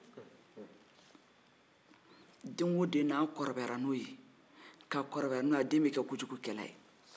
den o den mana kɔrɔbaya n'o ye a den bɛ kɛ kojugukɛla ye